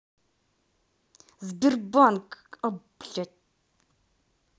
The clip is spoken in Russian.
сбербанк а блядь